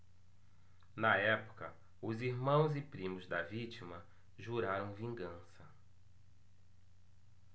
na época os irmãos e primos da vítima juraram vingança